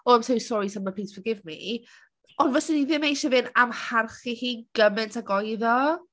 "Oh I'm so sorry Summer please forgive me". Ond fyswn i ddim eisiau fe'n amharchu hi gymaint ag oedd o.